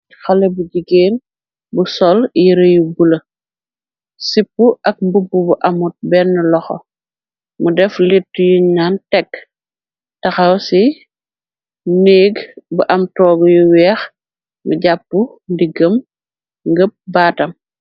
Xale bu jigeen bu sol yere yu bula sipu ak mbubu bu amut benn loxo mu def lit yu naan tekk taxaw ci neeg bu am toogu yu weex mu jàpp ndiggam ngëb baatam.